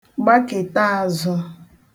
gbakèta āzụ̄